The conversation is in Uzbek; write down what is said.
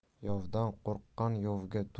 yovdan qo'rqqan yovga